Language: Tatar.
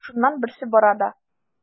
Шуннан берсе бара да:.